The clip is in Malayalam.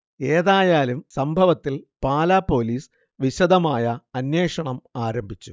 ഏതായാലും സംഭവത്തിൽ പാലാ പോലീസ് വിശദമായ അന്വേഷണം ആരംഭിച്ചു